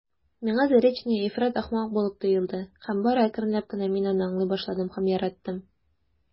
Миңа Заречная ифрат ахмак булып тоелды һәм бары әкренләп кенә мин аны аңлый башладым һәм яраттым.